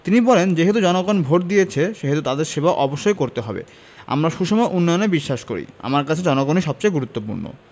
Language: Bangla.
তিনি বলেন যেহেতু জনগণ ভোট দিয়েছে সেহেতু তাদের সেবা অবশ্যই করতে হবে আমরা সুষম উন্নয়নে বিশ্বাস করি আমার কাছে জনগণই সবচেয়ে গুরুত্বপূর্ণ